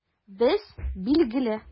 Без, билгеле!